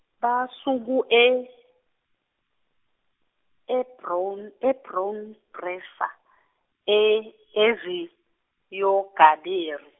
basuku e-, Ebron- Ebron- bresa- e Eziyongaberi.